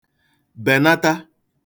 bènata